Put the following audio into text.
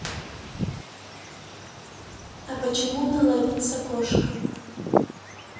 а почему наловится кошка